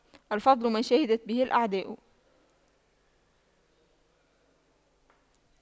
الفضل ما شهدت به الأعداء